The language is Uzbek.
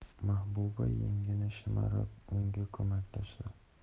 mahbuba yengini shimarib unga ko'maklashdi